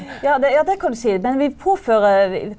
ja det ja det kan du si, men vi påfører.